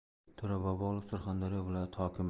to'ra bobolov surxondaryo viloyati hokimi